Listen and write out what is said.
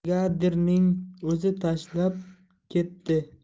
brigadirning o'zi tashlab ketdi